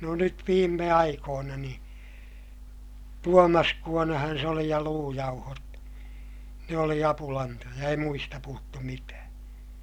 no nyt viime aikoina niin tuomaskuonahan se oli ja luujauhot ne oli apulantoja ei muista puhuttu mitään